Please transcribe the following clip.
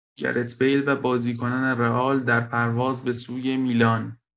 گرت بیل و بازیکنان رئال در پرواز به سوی میلان